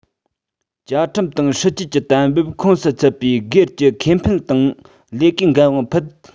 བཅའ ཁྲིམས དང སྲིད ཇུས ཀྱི གཏན འབེབས ཁོངས སུ ཚུད པའི སྒེར གྱི ཁེ ཕན དང ལས ཀའི འགན དབང ཕུད